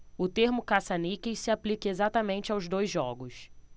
o termo caça-níqueis se aplica exatamente aos dois jogos